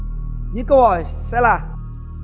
những câu hỏi sẽ là